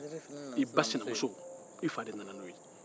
i fa d nana n'i ba sinamuso ye